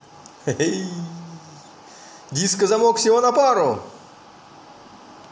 диско замок всего на пару